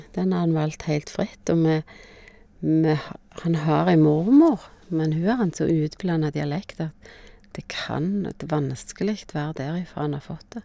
Den har han valgt heilt fritt, og vi vi har han har ei mormor, men hun har en så utblanda dialekt at det kan nå de vanskelig være derifra han har fått det.